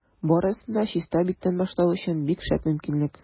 Барысын да чиста биттән башлау өчен бик шәп мөмкинлек.